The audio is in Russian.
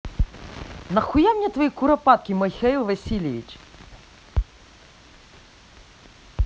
нахуя мне твои куропатки михаил васильевич